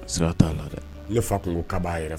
Sira'a la dɛ i fa tun kaba yɛrɛ